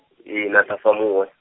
ina Ṱhafamuhwe.